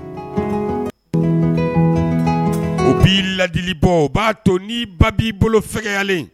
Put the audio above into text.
B'i ladilibɔ u b'a to ni ba b'i bolo fɛyalen